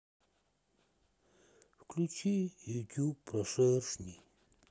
включи ютуб про шершней